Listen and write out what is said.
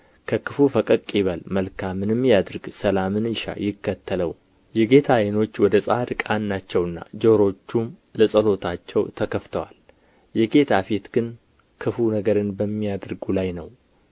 ከክፉ ፈቀቅ ይበል መልካምንም ያድርግ ሰላምን ይሻ ይከተለውም የጌታ ዓይኖች ወደ ጻድቃን ናቸውና ጆሮዎቹም ለጸሎታቸው ተከፍተዋል የጌታ ፊት ግን ክፉ ነገርን በሚያደርጉ ላይ ነው